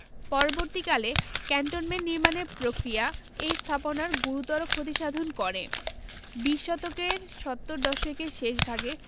পরবর্তীকালে ক্যান্টনমেন্ট নির্মাণের প্রক্রিয়া এই স্থাপনার গুরুতর ক্ষতিসাধন করে বিশ শতকের সত্তর দশকের শেষভাগে